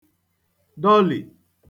dọlì